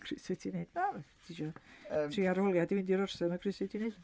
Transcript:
Croeso i ti wneud. Na m- ti isio... yym. ...trio enrolio i fynd i'r orsedd ma' croeso i ti wneud.